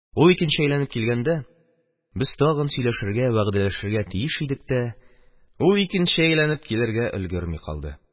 Ул икенче әйләнеп килгәндә, без тагын сөйләшергә, вәгъдәләшергә тиеш идек тә, ул икенче әйләнеп килергә өлгерми калды.